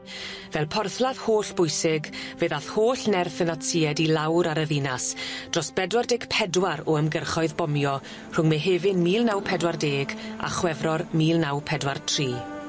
Fel porthladd hollbwysig fe ddath holl nerth y Natsïed i lawr ar y ddinas dros bedwar deg pedwar o ymgyrchoedd bomio rhwng Mehefin mil naw pedwar deg a Chwefror mil naw pedwar tri.